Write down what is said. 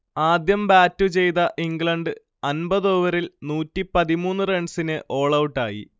ആദ്യം ബാറ്റ് ചെയ്ത ഇംഗ്ലണ്ട് അൻപതോവറിൽ നൂറ്റിപതിമൂന്ന് റൺസിന് ഓൾഔട്ടായി